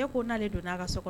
E ko'ale don' a ka so